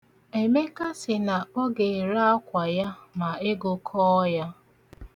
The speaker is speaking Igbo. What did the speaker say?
Emeka sị na ọ ga-ere akwa ma ego kọọ ya.